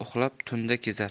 uxlab tunda kezar